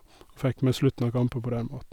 Og fikk med slutten av kampen på den måten.